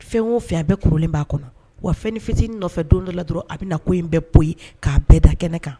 Fɛn o fɛ bɛɛ kolonlen b'a kɔnɔ wa fɛn ni fitinin nɔfɛ don dɔ la dɔrɔn a bɛ na ko in bɛɛ bɔ yen k'a bɛɛ da kɛnɛ kan